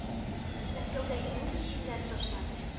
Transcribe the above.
Мәскәүгә нинди җилләр ташлады?